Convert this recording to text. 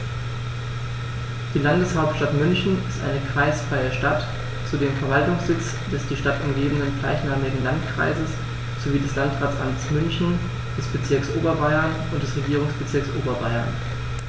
Die Landeshauptstadt München ist eine kreisfreie Stadt, zudem Verwaltungssitz des die Stadt umgebenden gleichnamigen Landkreises sowie des Landratsamtes München, des Bezirks Oberbayern und des Regierungsbezirks Oberbayern.